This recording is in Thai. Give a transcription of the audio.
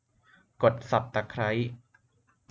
กดสับตะไคร้